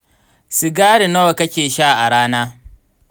sigari nawa kake sha a rana?